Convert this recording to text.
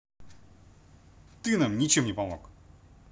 ты нам ничем не помог